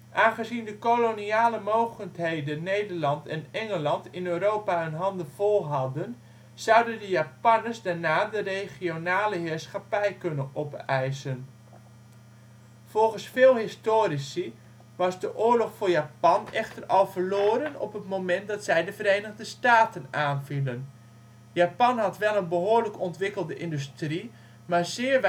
Aangezien de koloniale mogendheden Nederland en Engeland in Europa hun handen vol hadden zouden de Japanners daarna de regionale heerschappij kunnen opeisen. Volgens veel historici was de oorlog voor Japan echter al verloren op het moment dat zij de Verenigde Staten aanvielen. Japan had wel een behoorlijk ontwikkelde industrie, maar zeer